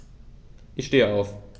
Ich stehe auf.